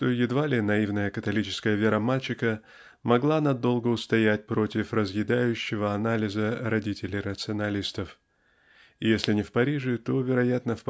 что едва ли наивная католическая вера мальчика могла надолго устоять против разъедающего анализа родителей-рационалистов и если не в Париже то вероятно